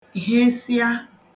hesịa